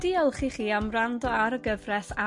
Diolch i chi am wrando ar y gyfres